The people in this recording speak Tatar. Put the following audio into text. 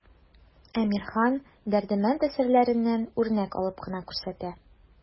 Әмирхан, Дәрдемәнд әсәрләреннән үрнәк алып кына күрсәтә.